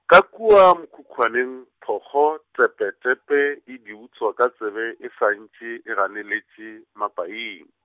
ka kua mokhukhwaneng phokgo tepetepe, e di utswa ka tsebe e sa ntše, e ganeletše, mapaing.